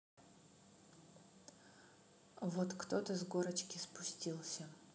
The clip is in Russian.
вот кто то с горочки спустился